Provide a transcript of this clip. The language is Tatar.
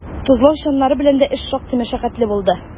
Тозлау чаннары белән дә эш шактый мәшәкатьле булды.